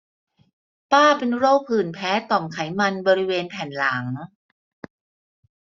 ป้าเป็นโรคผื่นแพ้ต่อมไขมันบริเวณแผ่นหลัง